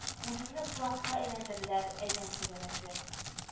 Үзеңне фылакка әйләндерерләр, адәм төгәнәсе